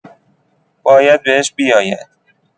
باید بهش بیاید.